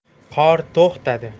qor to'xtadi